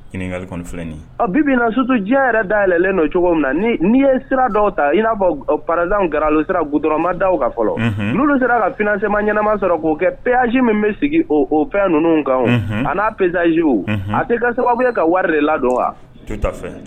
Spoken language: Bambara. Kalifi bibi na sutu diɲɛ yɛrɛ day yɛlɛɛlɛnlen nɔ cogo min na n'i ye sira dɔw ta i'a bɔ paraz g u sira g dɔrɔnurama da kan fɔlɔ n' sera la finasɛma ɲɛnaɛnɛma sɔrɔ k'o kɛ pzsi min bɛ sigi o fɛn ninnu kan a n'a pzw a tɛ ka sababu wele ka wari de la dɔn wa to fɛ